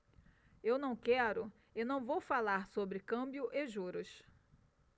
eu não quero e não vou falar sobre câmbio e juros